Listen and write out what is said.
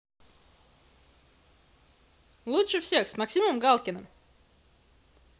лучше всех с максимом галкиным